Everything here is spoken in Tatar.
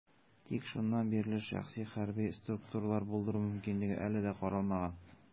Тик шуннан бирле шәхси хәрби структуралар булдыру мөмкинлеге әле дә каралмаган.